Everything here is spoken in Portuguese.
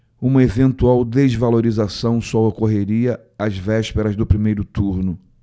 uma eventual desvalorização só ocorreria às vésperas do primeiro turno